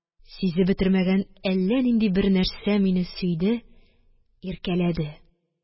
Сизеп бетермәгән әллә нинди бернәрсә мине сөйде, иркәләде